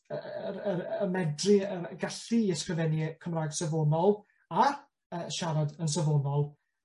yy yr y y medru y gallu i ysgrifennu Cymra'g safonol a yy siarad yn safonol